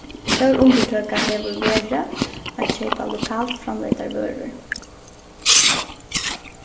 stór undirtøka hevur verið at keypa lokalt framleiddar vørur